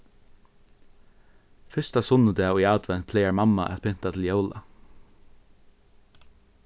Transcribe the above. fyrsta sunnudag í advent plagar mamma at pynta til jóla